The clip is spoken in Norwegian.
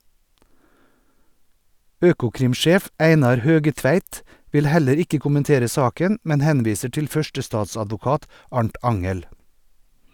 Økokrim-sjef Einar Høgetveit vil heller ikke kommentere saken, men henviser til førstestatsadvokat Arnt Angell.